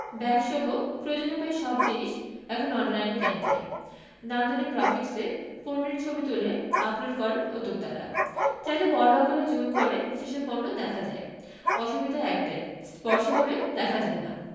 ব্যাগসহ প্রয়োজনীয় প্রায় সব জিনিস এখন অনলাইনে কেনা যায় নান্দনিক গ্রাফিকসে পণ্যের ছবি তুলে আপলোড করেন উদ্যোক্তারা চাইলে বড় আকারে জুম করে সেসব পণ্য দেখা যায় অসুবিধা একটাই স্পর্শ করে দেখা যায় না